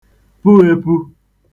pu ēpū